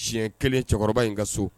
Siɲɛ kelen cɛkɔrɔba in ka so